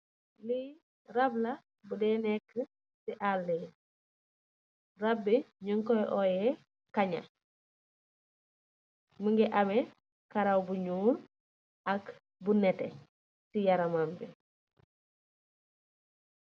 Li rap la bu dèy nekka ci al'labi, rap bi ñukoy oye kaña.